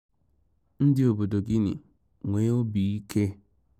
Ndị obodo Guinea, nwee obi ike!